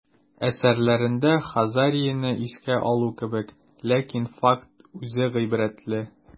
Әсәрләрендә Хазарияне искә алу кебек, ләкин факт үзе гыйбрәтле.